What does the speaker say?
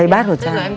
đây bát của trang này